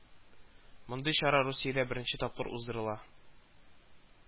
Мондый чара Русиядә беренче тапкыр уздырыла